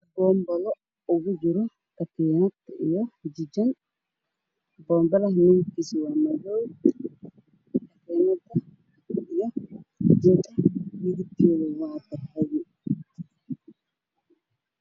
Waa bambana uu ku jiro ka tiinad bambaray midabkiisa waa midow ga midafkeedu waa qalin